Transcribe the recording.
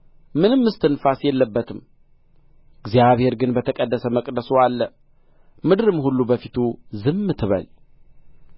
ምንም እስትንፋስ የለበትም እግዚአብሔር ግን በተቀደሰ መቅደሱ አለ ምድርም ሁሉ በፊቱ ዝም ትበል